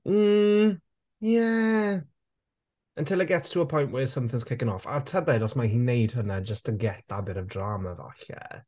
Mm ie until it gets to a point where something's kicking off. A tybed os mae hi'n wneud hwnna just to get that bit of drama, falle.